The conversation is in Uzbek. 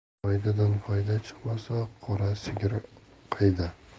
foydadan foyda chiqmasa qora sigir qayda